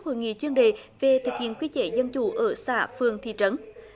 hội nghị chuyên đề về thực hiện quy chế dân chủ ở xã phường thị trấn